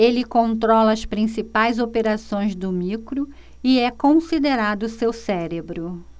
ele controla as principais operações do micro e é considerado seu cérebro